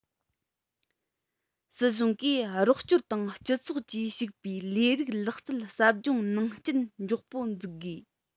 སྲིད གཞུང གིས རོགས སྐྱོར དང སྤྱི ཚོགས ཀྱིས ཞུགས པའི ལས རིགས ལག རྩལ ཟབ སྦྱོང ནང རྐྱེན མགྱོགས པོ འཛུགས དགོས